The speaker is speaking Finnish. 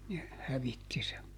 ne hävitti sen